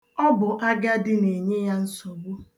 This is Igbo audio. Ọ bụ agadị na-enye ya nsogbu.